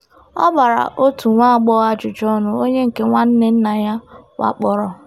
Ọ gbara otu nwa agbọghọ ajụjụ ọnụ onye nke nwanne nna ya wakporo.